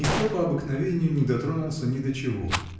никто по обыкновению не дотронулся ни до чего